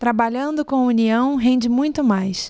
trabalhando com união rende muito mais